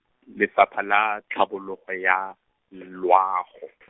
Lefapha la Tlhabololo ya, Loago.